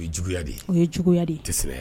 U ye juguya de o ye juguyaya de tɛ ye